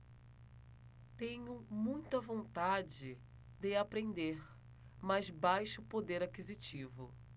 tenho muita vontade de aprender mas baixo poder aquisitivo